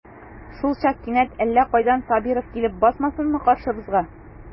Шулчак кинәт әллә кайдан Сабиров килеп басмасынмы каршыбызга.